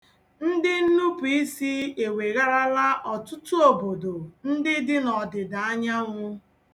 Ndịnnupuisi ewegharala ọtụtụ obodo ndị dị n'ọdịda anyanwụ.